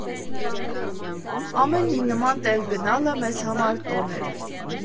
Ամեն մի նման տեղ գնալը մեզ համար տոն էր։